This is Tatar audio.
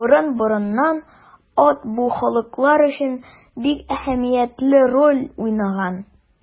Борын-борыннан ат бу халыклар өчен бик әһәмиятле роль уйнаган.